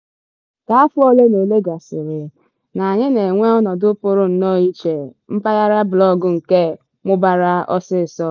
Ka afọ olenaole gasịrị, na anyị na-enwe ọnọdụ pụrụ nnọọ iche - mpaghara blọọgụ nke mụbara ọsịsọ.